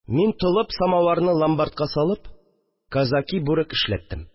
Мин, толып, самавырны ломбардка салып, казаки, бүрек эшләттем